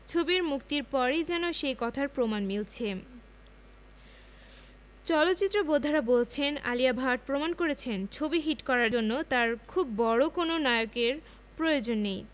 ছবি মুক্তির পরই যেন সেই কথার প্রমাণ মিলছে চলচ্চিত্র বোদ্ধারা বলছেন আলিয়া ভাট প্রমাণ করেছেন ছবি হিট করার জন্য তার খুব বড় কোনো নায়কের প্রয়োজন নেই